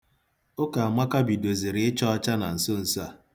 Ụkamaka bidozịrị ịcha ọcha na nsonso a.